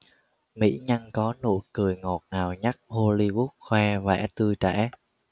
mỹ nhân có nụ cười ngọt ngào nhất hollywood khoe vẻ tươi trẻ